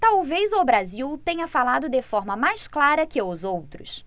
talvez o brasil tenha falado de forma mais clara que os outros